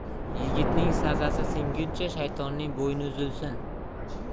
yigitning sazasi singuncha shaytonning bo'yni uzilsin